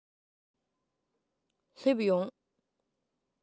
སླེབས ཡོང